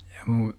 ja minun